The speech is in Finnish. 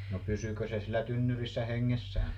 no pysyikö se siellä tynnyrissä hengessään